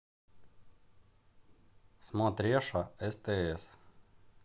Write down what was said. смотреша стс